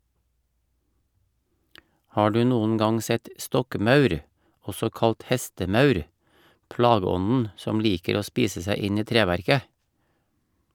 Har du noen gang sett stokkmaur , også kalt hestemaur , plageånden som liker å spise seg inn i treverket?